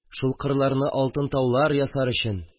Шул кырларны алтын таулар ясар өчен